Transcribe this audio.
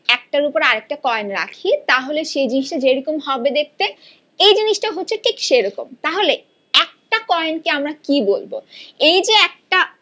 একটার উপর আরেকটা রাখি তাহলে সে জিনিসটা যে রকম হবে দেখতে এই জিনিসটা হচ্ছে ঠিক সেরকম তাহলে একটা কয়েন কে আমরা কি বলবো এই যে একটা